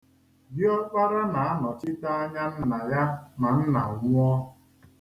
Diọkpara na-anọchite anya nna ya ma nna nwụọ.